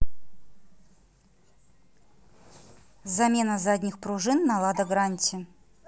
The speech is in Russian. замена задних пружин на лада гранте